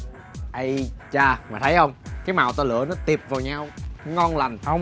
ây chà mày thấy hông cái màu tao lựa nó tịt vào nhau nó ngon lành